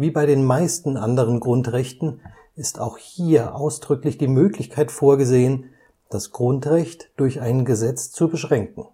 bei den meisten anderen Grundrechten ist auch hier ausdrücklich die Möglichkeit vorgesehen, das Grundrecht durch ein Gesetz zu beschränken